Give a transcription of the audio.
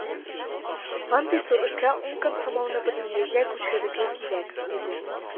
Андый зур эшкә ун комсомолны бөтенләйгә күчерергә кирәк, диде